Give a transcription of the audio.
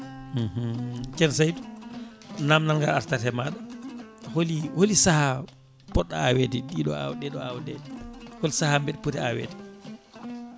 ceerno Saydou namdal ngal artat e maɗa hooli hooli saaha poɗɗo awede e ɗiɗo awɗele ɗeɗo awɗele hol saaha nde meɗe pooti awede